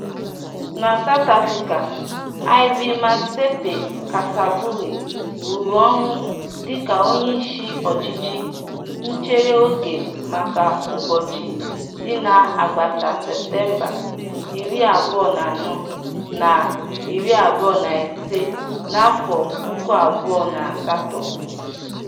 Na South Afrịka, Ivy Matsepe-Cassaburi rụrụ ọrụ dịka onyeisi ọchịchị nchere oge maka ụbọchị dị n'agbata Septemba 24 na 25, 2008.